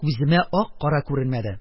Күземә ак-кара күренмәде